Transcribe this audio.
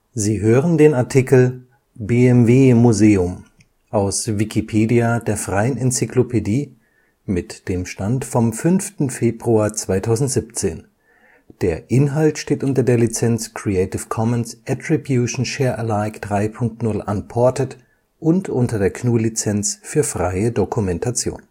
Sie hören den Artikel BMW Museum, aus Wikipedia, der freien Enzyklopädie. Mit dem Stand vom Der Inhalt steht unter der Lizenz Creative Commons Attribution Share Alike 3 Punkt 0 Unported und unter der GNU Lizenz für freie Dokumentation